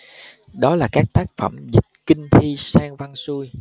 đó là các tác phẩm dịch kinh thi sang văn xuôi